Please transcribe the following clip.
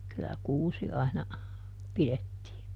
kyllä kuusi aina pidettiin